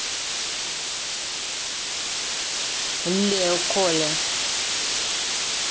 leo cole